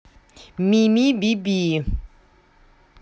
мими биби